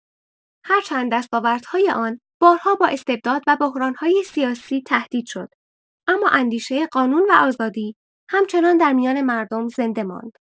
هرچند دستاوردهای آن بارها با استبداد و بحران‌های سیاسی تهدید شد، اما اندیشه قانون و آزادی همچنان در میان مردم زنده ماند.